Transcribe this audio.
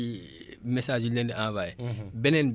beneen bi su su su phénomène waree am si géej gi